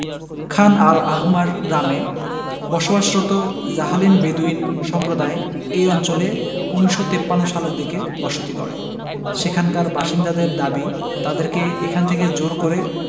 খান Al Ahmar গ্রামে বসবাসরত Jahalin Bedouin সম্প্রদায় এই অঞ্চলে ১৯৫৩ সালের দিকে বসতি গড়ে সেখানকার বাসিন্দাদের দাবি তাদেরকে এখান থেকে জোর করে